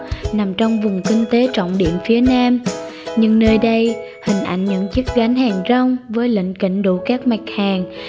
nằm trong vùng kinh tế trọng điểm phía nam nhưng nơi đây hình ảnh của những gánh hàng rong với lĩnh kỉnh đủ các loại mặt hàng